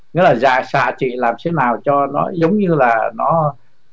nghĩa là xạ trị làm thế nào cho nó giống như là nó